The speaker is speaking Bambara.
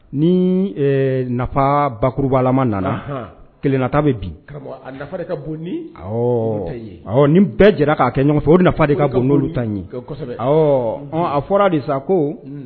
Ni ɛ nafa bakurunbalama nana, anhan, kelennata bɛ bin, Karamɔgɔ a nafa de ko bon ni awɔ ni bɛɛ jɛra k'a kɛ ɲɔgɔn fɛ o nafa de ka bon, n' olu ta in ye, kosɛbɛ, awɔ a fɔra de sa ko